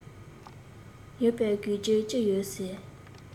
ཡོད པས དགོད རྒྱུ ཅི ཡོད ཟེར